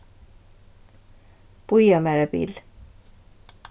bíða mær eitt bil